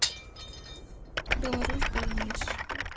беларусь больница